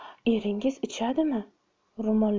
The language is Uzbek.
eringiz ichadimi